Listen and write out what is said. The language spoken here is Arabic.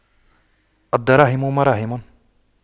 الدراهم مراهم